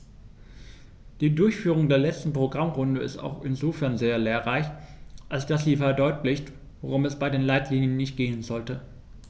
Die Durchführung der letzten Programmrunde ist auch insofern sehr lehrreich, als dass sie verdeutlicht, worum es bei den Leitlinien nicht gehen sollte.